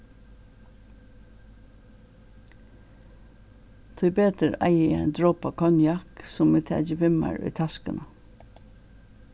tíbetur eigi eg ein dropa av konjak sum eg taki við mær í taskuna